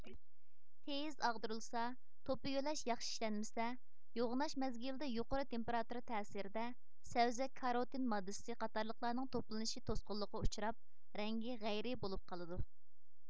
تېيىز ئاغدۇرۇلسا توپا يۆلەش ياخشى ئىشلەنمىسە يوغىناش مەزگىلدە يۇقىرى تېمپېراتۇرا تەسىرىدە سەۋزە كاروتىن ماددىسى قاتارلىقلارنىڭ توپلىنىشى توسقۇنلۇققا ئۇچراپ رەڭگى غەيرىي بولۇپ قالىدۇ